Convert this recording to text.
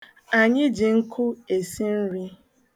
Anyị ji nkụ esi nri.